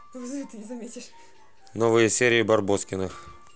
новые серии барбоскиных